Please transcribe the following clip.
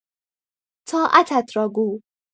طاعتت را گو